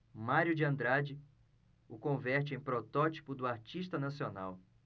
mário de andrade o converte em protótipo do artista nacional